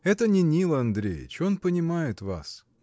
Это не Нил Андреич, он понимает вас.